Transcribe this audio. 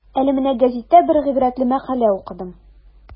Әле менә гәзиттә бер гыйбрәтле мәкалә укыдым.